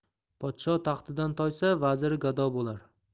podsho taxtidan toysa vaziri gado bo'lar